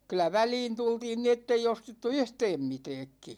kyllä väliin tultiin niin että ei ostettu yhtään mitäänkin